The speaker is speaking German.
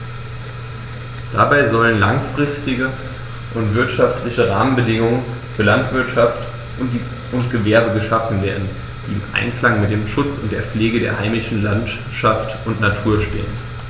Dabei sollen langfristige und wirtschaftliche Rahmenbedingungen für Landwirtschaft und Gewerbe geschaffen werden, die im Einklang mit dem Schutz und der Pflege der heimischen Landschaft und Natur stehen.